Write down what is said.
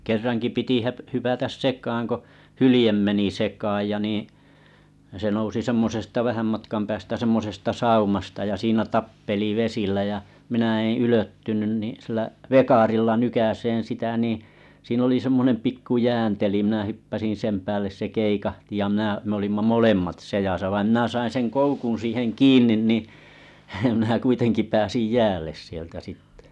kerrankin piti - hypätä sekaan kun hylje meni sekaan ja niin se nousi semmoisesta vähän matkan päästä semmoisesta saumasta ja siinä tappeli vesillä ja minä en ylettynyt niin sillä vekarilla nykäisemään sitä niin siinä oli semmoinen pikku jään teli minä hyppäsin sen päälle se keikahti ja minä me olimme molemmat seassa vain minä sain sen koukun siihen kiinni niin minä kuitenkin pääsin jäälle sieltä sitten